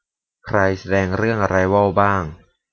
ใครแสดงเรื่องอะไรวอลบ้าง